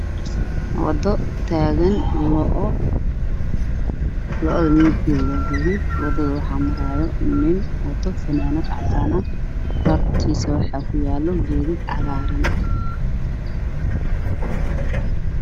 Wado taagan lo'o lo'da midabkeeda waa gaduud watada waxaa maraaya nin wato fanaanad cadaana hortiisa waxaa ku yaalo geedo cagaaran.